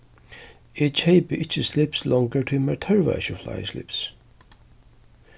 eg keypi ikki slips longur tí mær tørvar ikki fleiri slips